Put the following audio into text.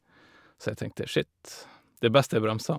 Så jeg tenkte Skitt, det er best jeg bremser.